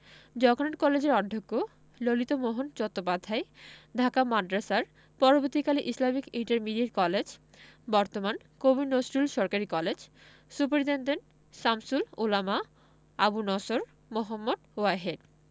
জগন্নাথ কলেজের অধ্যক্ষ ললিতমোহন চট্টোপাধ্যায় ঢাকা মাদ্রাসার পরবর্তীকালে ইসলামিক ইন্টারমিডিয়েট কলেজ বর্তমান কবি নজরুল সরকারি কলেজ সুপারিন্টেন্ডেন্ট শামসুল উলামা আবু নসর মুহম্মদ ওয়াহেদ